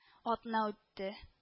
Атна үтте